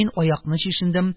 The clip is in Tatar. Мин аякны чишендем,